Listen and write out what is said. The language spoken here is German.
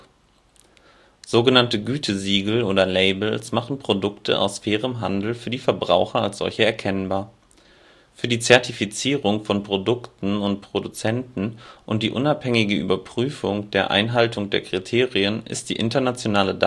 Sogenannte Gütesiegel oder Labels machen Produkte aus fairem Handel für die Verbraucher als solche erkennbar. Für die Zertifizierung von Produkten und Produzenten und die unabhängige Überprüfung der Einhaltung der Kriterien ist die internationale